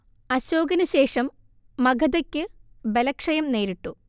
അശോകനുശേഷം മഗധയ്ക്ക് ബലക്ഷയം നേരിട്ടു